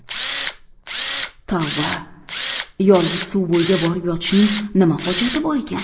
tavba yolg'iz suv bo'yiga borib yotishning nima hojati bor ekan